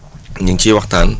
ñu ngi ciy waxtaan